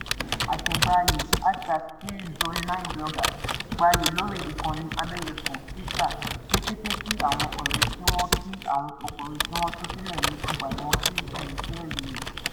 Àtẹ̀gbayì #FreeZone9Bloggers gbayì lórí ìkànnì abẹ́yẹfò (Twitter) ní kété tí àwọn ọ̀rẹ́ tí wọ́n kí àwọn ọkùnrin tí wọ́n tú sílẹ̀ ní ọgbà ẹ̀wọ̀n Kilinto jẹ́ rí ẹ̀.